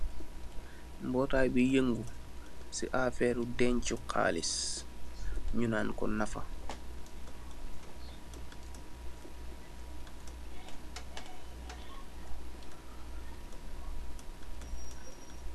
Mbotay búy yangue ci aferri denci xalis nju naan ko Nafa.